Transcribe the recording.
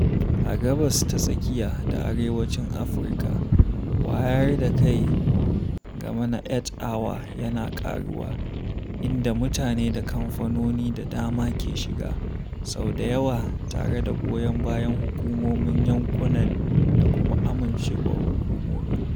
A Gabas ta Tsakiya da Arewacin Afirka, wayar da kai game na Earth Hour yana ƙaruwa, inda mutane da kamfanoni da dama ke shiga, sau da yawa tare da goyon bayan hukumomin yankunan da kuma amincewar hukumomi.